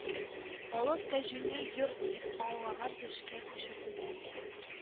Халык «кәҗүнни йорт» дип аңлаган төшкә күчерделәр